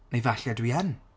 Neu falle dwi yn?